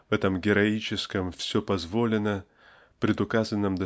в этом героическом "все позволено" (предуказанном.